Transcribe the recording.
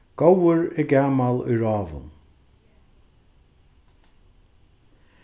góður er gamal í ráðum